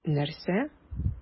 Нәрсә?!